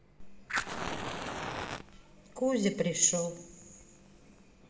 кузя пришел